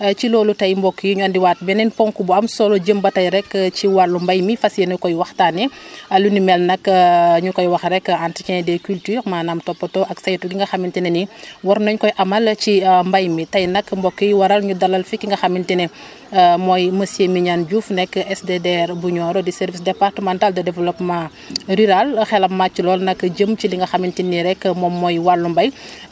ci loolu tey mbokk yi ñu andiwaat beneen ponk bu am solo jëm ba tey rek ci wàllu mbéy mi fas yéene koy waxtaanee lu ni mel nag ñu koy wax rek entretien des cultures maanaam toppatoo ak saytu gi nga xamante ne ni war nañu koy amal ci mbéy mi tey nag mbokk yi waral ñu dalal fi ki nga xamante ne mooy monsieur Mignane Diouf nekk SDDR bu Nioro di service départemental de développement rural xelam màcc lool nag jëm ci li nga xamante ni rek moom mooy wàllu mbay